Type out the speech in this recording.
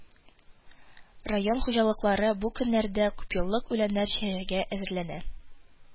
Район хуҗалыклары бу көннәрдә күпъеллык үләннәр чәчәргә әзерләнә